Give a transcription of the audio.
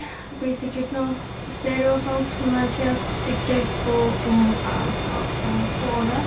Blir sikkert noe Pstereo og sånt, men jeg er itj helt sikker på om jeg skal på Hove.